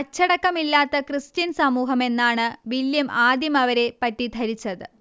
അച്ചടക്കമില്ലാത്ത Christian സമൂഹം എന്നാണ് William ആദ്യം അവരെ പറ്റി ധരിച്ചത്